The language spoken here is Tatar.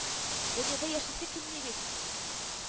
Дөньяда яшисе килми бит